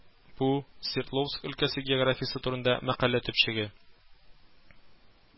Бу Свердловск өлкәсе географиясе турында мәкалә төпчеге